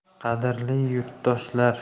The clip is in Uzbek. qadrli yurtdoshlar